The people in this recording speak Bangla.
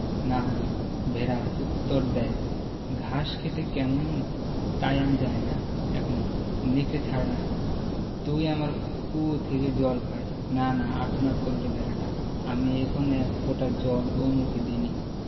না হুজুর ভেড়া উত্তর দ্যায় ঘাস খেতে কেমন তাই আমি জানি না এখনো নেকড়ে ছাড়ে না তুই আমার কুয়ো থেকে জল খাস না না আর্তনাদ করে ওঠে ভেড়াটা আমি এখনো এক ফোঁটা জল ও মুখে দিইনি